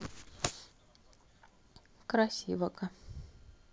красивого